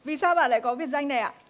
vì sao bạn lại có biệt danh này ạ